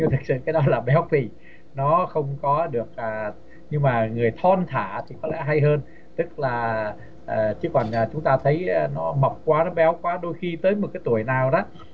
nhưng thực sự cái đau lòng béo phì nó không có được à nhưng mà người thon thả thì có lẽ hay hơn tức là à chiếc bàn mà chúng ta thấy à nó mập quá nó béo quá đôi khi tới một cái tuổi nào đó